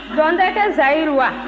dɔn tɛ kɛ zayiri wa